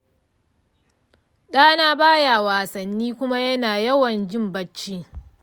dnan baya wassani kuma yana yawan jin bacci.